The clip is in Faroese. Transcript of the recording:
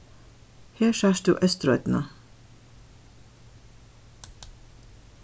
her sært tú eysturoynna